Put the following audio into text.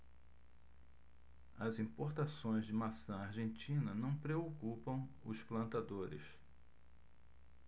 as importações de maçã argentina não preocupam os plantadores